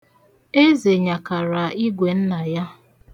Eze nyakara igwe nna ya.